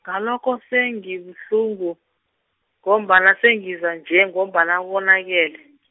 ngalokho sengibuhlungu, ngombana sengiza nje, ngombana konakele.